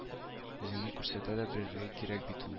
Үзеңне күрсәтә дә белергә кирәк бит ул